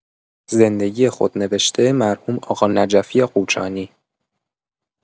زندگی خودنوشته مرحوم آقا نجفی قوچانی